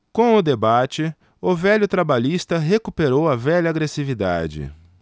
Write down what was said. com o debate o velho trabalhista recuperou a velha agressividade